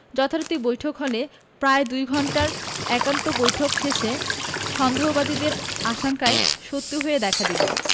যথারীতি বৈঠক হলো প্রায় দুই ঘণ্টার একান্ত বৈঠক শেষে সন্দেহবাদীদের আশঙ্কাই সত্যি হয়ে দেখা দিল